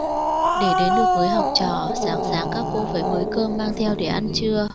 để đến được với học trò sáng sáng các cô phải bới cơm mang theo để ăn trưa